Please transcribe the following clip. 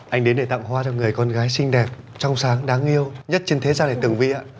anh đến để tặng hoa cho người con gái xinh đẹp trong sáng đáng yêu nhất trên thế gian này tường vy ạ